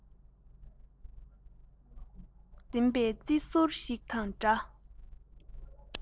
བསྐམས ཟིན པའི རྩི ཐུར ཞིག དང འདྲ